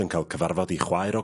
...yn ca'l cyfarfod 'i chwaer o...